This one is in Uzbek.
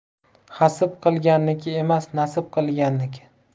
hasip qilganniki emas nasib qilganniki